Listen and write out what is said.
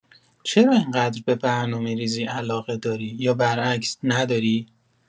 چرا اینقدر به برنامه‌ریزی علاقه داری یا برعکس نداری؟